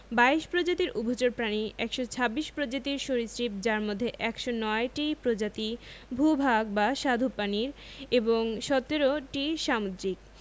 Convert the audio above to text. ২২ প্রজাতির উভচর প্রাণী ১২৬ প্রজাতির সরীসৃপ যার মধ্যে ১০৯টি প্রজাতি ভূ ভাগ বা স্বাদুপানির এবং ১৭টি সামুদ্রিক